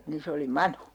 niin se oli manu